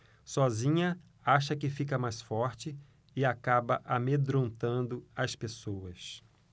sozinha acha que fica mais forte e acaba amedrontando as pessoas